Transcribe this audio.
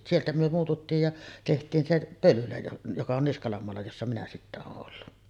sieltä me muututtiin ja tehtiin se Pölylä joka on Niskalan maalla jossa minä sitten olen ollut